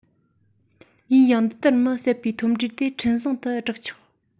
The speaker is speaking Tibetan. ཡིན ཡང འདི ལྟར མི བསད པའི ཐོབ འབྲས དེ འཕྲིན བཟང དུ བསྒྲགས ཆོག